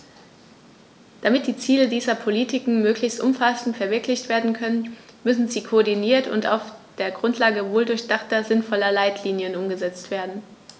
Damit die Ziele dieser Politiken möglichst umfassend verwirklicht werden können, müssen sie koordiniert und auf der Grundlage wohldurchdachter, sinnvoller Leitlinien umgesetzt werden.